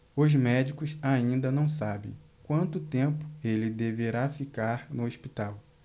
os médicos ainda não sabem quanto tempo ele deverá ficar no hospital